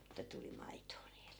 että tuli maitoa niille